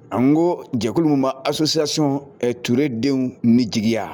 An ko jɛkulu bɛ assision turedenw ni jigiya